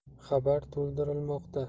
xabar to'ldirilmoqda